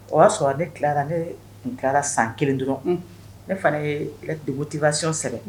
O y'a sɔrɔ ne tilara ne tun kɛra san kelen dɔrɔn ne fana ye dugutigitibasi sɛ